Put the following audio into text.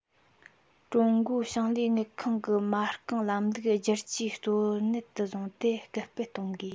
ཀྲུང གོའི ཞིང ལས དངུལ ཁང གི མ རྐང ལམ ལུགས བསྒྱུར བཅོས གཙོ གནད དུ བཟུང སྟེ སྐུལ སྤེལ གཏོང དགོས